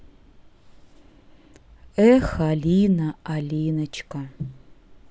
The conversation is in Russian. эх алина алиночка